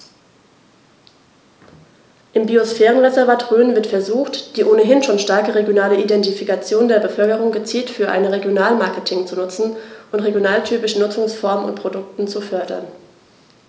Im Biosphärenreservat Rhön wird versucht, die ohnehin schon starke regionale Identifikation der Bevölkerung gezielt für ein Regionalmarketing zu nutzen und regionaltypische Nutzungsformen und Produkte zu fördern.